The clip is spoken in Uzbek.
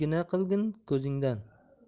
gina qilgin ko'zingdan